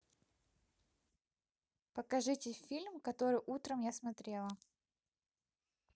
покажите фильм который утром я смотрела